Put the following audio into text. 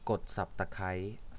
กดสับตะไคร้